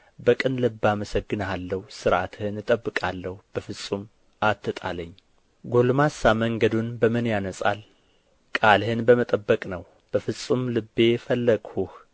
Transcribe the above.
በቅን ልብ አመሰግንሃለሁ ሥርዓትህን እጠብቃለሁ በፍጹም አትጣለኝ ጕልማሳ መንገዱን በምን ያነጻል ቃልህን በመጠበቅ ነው በፍጹም ልቤ ፈለግሁህ